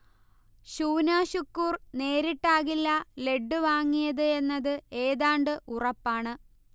ഷൂനാ ഷുക്കൂർ നേരിട്ടാകില്ല ലഡ്ഡു വാങ്ങിയത് എന്നത് ഏതാണ്ട് ഉറപ്പാണ്